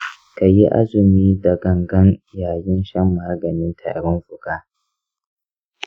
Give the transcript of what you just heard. ka yi azumi da gangan yayin shan maganin tarin fuka?